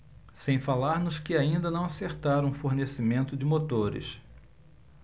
sem falar nos que ainda não acertaram o fornecimento de motores